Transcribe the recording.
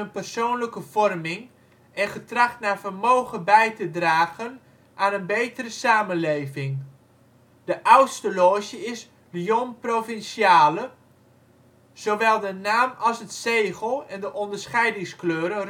persoonlijke vorming en getracht naar vermogen bij te dragen aan een betere samenleving. De oudste Loge is l ' Union Provinciale. Zowel de naam als het zegel en de onderscheidingskleuren